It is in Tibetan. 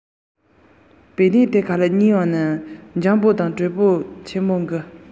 ཉི འོད ཕོག པའི བལ གདན ཞིག གི